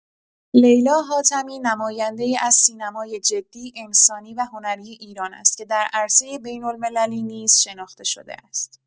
لیلا حاتمی نماینده‌ای از سینمای جدی، انسانی و هنری ایران است که در عرصه بین‌المللی نیز شناخته شده است.